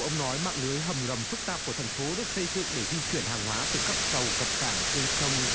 ông nói mạng lưới hầm ngầm phức tạp của thành phố được xây dựng để di chuyển hàng hóa từ các tàu cập cảng trên sông